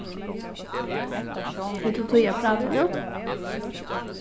hevur tú tíð at práta nú